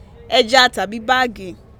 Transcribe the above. ẹja tàbí báàgì.